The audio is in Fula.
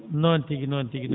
non tigi noon tigi